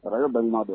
A balima dɔn